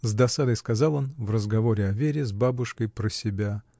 — с досадой сказал он в разговоре о Вере с бабушкой про себя.